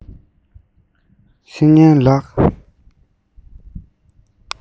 བཤེས གཉེན ལགས